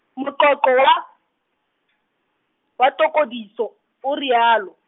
moqoqo wa , wa tokodiso, o realo.